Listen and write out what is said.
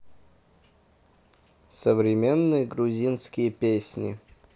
современные грузинские песни